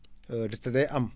ndaxte day am